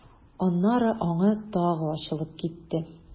Аннары аңы тагы ачылып китте.